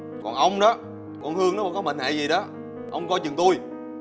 còn ông đó con hương nó mà có mệnh hệ gì đó ông coi chừng tui